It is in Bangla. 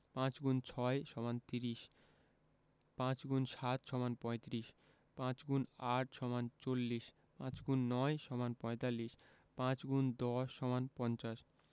৫x ৬ = ৩০ ৫× ৭ = ৩৫ ৫× ৮ = ৪০ ৫x ৯ = ৪৫ ৫×১০ = ৫০